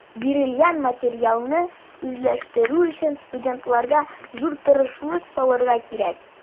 Бирелгән материалны үзләштерү өчен студентларга зур тырышлык салырга кирәк.